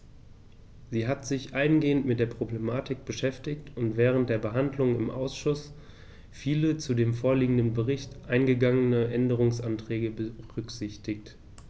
Sie hat sich eingehend mit der Problematik beschäftigt und während der Behandlung im Ausschuss viele zu dem vorliegenden Bericht eingegangene Änderungsanträge berücksichtigt.